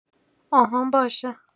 آهان باشه